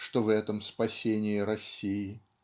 что в этом спасение России.